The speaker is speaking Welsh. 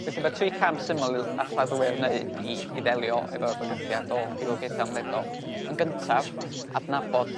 Felly ma' tri cam syml all arddwyr wneud i i ddelio efo bygythiad o rywogaetha' ymledol. Yn gyntaf adnabod